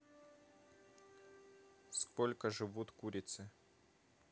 сколько живут курицы